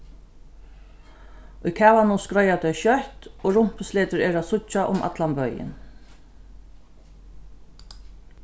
í kavanum skreiða tey skjótt og rumpusletur eru at síggja um allan bøin